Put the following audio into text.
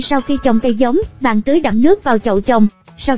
ngay sau khi trồng cây giống bạn tưới đẫm nước vào chậu trồng